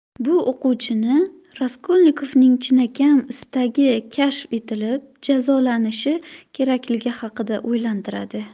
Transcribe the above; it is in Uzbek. bu o'quvchini raskolnikovning chinakam istagi kashf etilib jazolanishi kerakligi haqida o'ylantiradi